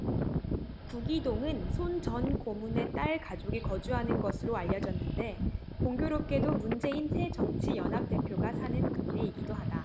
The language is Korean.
구기동은 손 전 고문의 딸 가족이 거주하는 것으로 알려졌는데 공교롭게도 문재인 새정치연합 대표가 사는 동네이기도 하다